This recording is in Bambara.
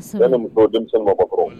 Si ni denmisɛnw mɔgɔ kɔrɔ